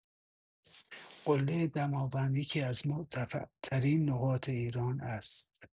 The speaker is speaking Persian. قله دماوند یکی‌از مرتفع‌ترین نقاط ایران است.